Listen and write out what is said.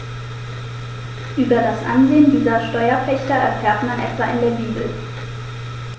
Über das Ansehen dieser Steuerpächter erfährt man etwa in der Bibel.